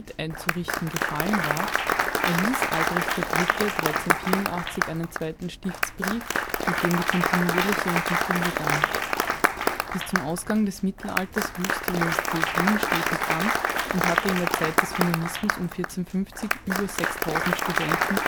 einzurichten, gefallen war, erließ Albrecht III. 1384 einen zweiten Stiftsbrief, mit dem die kontinuierliche Entwicklung begann. Bis zum Ausgang des Mittelalters wuchs die Universität Wien stetig an und hatte in der Zeit des Humanismus (um 1450) über 6000 Studenten